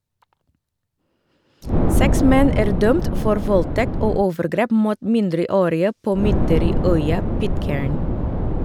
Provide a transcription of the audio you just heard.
Seks menn er dømt for voldtekt og overgrep mot mindreårige på mytteri-øya Pitcairn.